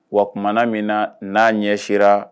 Wa tumaumana min na n'a ɲɛ sera